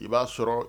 I b'a sɔrɔ